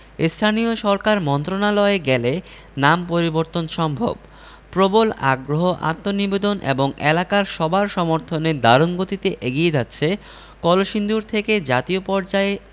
স্থানীয় সরকার মন্ত্রণালয়ে গেলে নাম পরিবর্তন সম্ভব প্রবল আগ্রহ আত্মনিবেদন এবং এলাকার সবার সমর্থনে দারুণ গতিতে এগিয়ে যাচ্ছে কলসিন্দুর থেকে জাতীয় পর্যায়ে